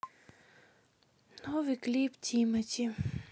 новый клип тимати